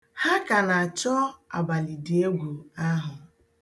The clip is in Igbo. Ha ka na-achọ abalịdịegwu ahụ.